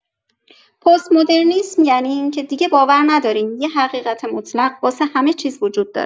پست‌مدرنیسم یعنی اینکه دیگه باور نداریم یه حقیقت مطلق واسه همه چیز وجود داره.